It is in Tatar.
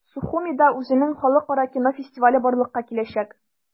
Сухумида үзенең халыкара кино фестивале барлыкка киләчәк.